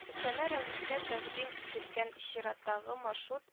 Өстәмә рәвештә тәкъдим ителгән чираттагы маршрут “